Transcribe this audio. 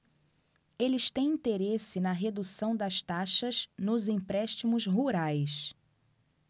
eles têm interesse na redução das taxas nos empréstimos rurais